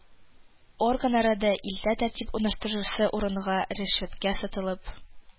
Органнары да, илдә тәртип урнаштырасы урынга, ришвәткә сатылып,